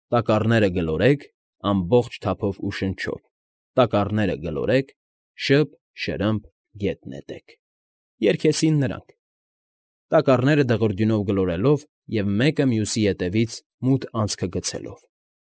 Տակառները գլորեք Ամբողջ թափով ու շնչով, Տակառները գլորեք, Շըրը՛մփ, շըրը՛մփ, գետ նետեք… երգեցին նրանք, տակառները դղրդյունով գլորելով և մեկը մյուսի ետևից մութ անցքը գցելով։